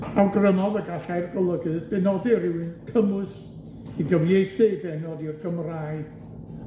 Awgrymodd y gallai'r golygydd benodi rywun cymwys i gyfieithu ei bennod i'r Gymraeg,